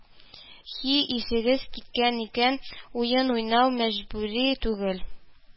– һи, исегез киткән икән, уен уйнау мәҗбүри түгел